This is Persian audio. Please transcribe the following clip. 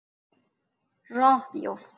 راه بیفت.